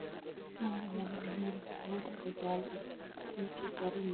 Halkan waxyalo dhego oo dahba ah